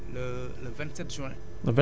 le le vingt sept juin